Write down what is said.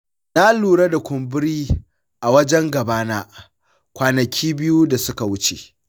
na lura da kumburi a wajen gabana kwanaki biyu da suka wuce.